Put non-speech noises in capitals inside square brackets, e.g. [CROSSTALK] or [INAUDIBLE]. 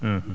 [HESITATION] [HESITATION]